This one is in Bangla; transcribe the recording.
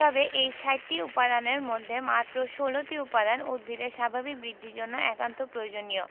তবে এই ৬০টি উপাদানের মধ্যে মাত্র ১৬টি উপাদান উদ্ভিদের স্বাভাবিক বৃদ্ধির জন্য একান্ত প্রয়োজনীয়